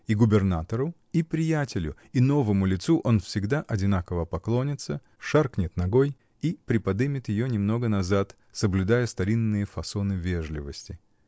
И губернатору, и приятелю, и новому лицу он всегда одинаково поклонится, шаркнет ногой и приподнимет ее немного назад, соблюдая старинные фасоны вежливости.